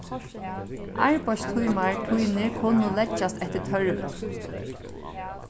arbeiðstímar tínir kunnu leggjast eftir tørvi